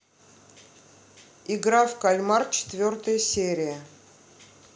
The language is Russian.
игра в кальмар четвертая серия